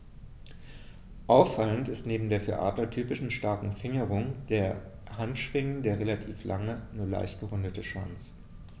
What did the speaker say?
Auffallend ist neben der für Adler typischen starken Fingerung der Handschwingen der relativ lange, nur leicht gerundete Schwanz.